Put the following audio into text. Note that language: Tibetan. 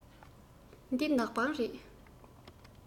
འདི ནག པང རེད